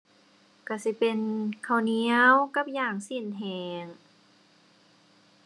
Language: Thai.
ก็สิเป็นข้าวเหนียวกับย่างก็แห้ง